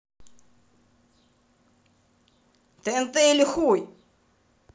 тнт или хуй